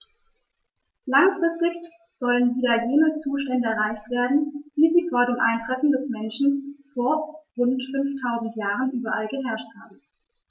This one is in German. Langfristig sollen wieder jene Zustände erreicht werden, wie sie vor dem Eintreffen des Menschen vor rund 5000 Jahren überall geherrscht haben.